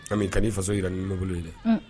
Ami kan'i faso jira ni numabolo ye dɛ, unhun.